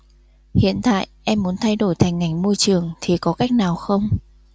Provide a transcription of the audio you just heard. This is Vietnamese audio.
hiện tại em muốn thay đổi thành ngành môi trường thì có cách nào không